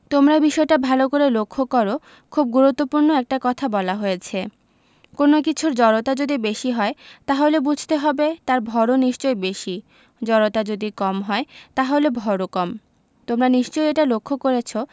তোমরা বিষয়টা ভালো করে লক্ষ করো খুব গুরুত্বপূর্ণ একটা কথা বলা হয়েছে কোনো কিছুর জড়তা যদি বেশি হয় তাহলে বুঝতে হবে তার ভরও নিশ্চয়ই বেশি জড়তা যদি কম হয় তাহলে ভরও কম তোমরা নিশ্চয়ই এটা লক্ষ করেছ